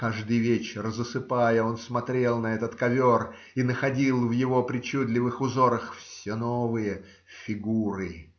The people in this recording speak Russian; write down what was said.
каждый вечер, засыпая, он смотрел на этот ковер и находил в его причудливых узорах все новые фигуры